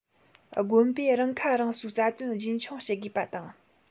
དགོན པས རང ཁ རང གསོའི རྩ དོན རྒྱུན འཁྱོངས བྱེད དགོས པ དང